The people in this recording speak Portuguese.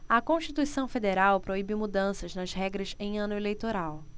a constituição federal proíbe mudanças nas regras em ano eleitoral